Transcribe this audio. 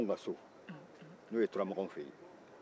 anw ka so n'o ye turamaganw fɛ yen ye